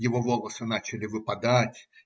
Его волосы начали выпадать.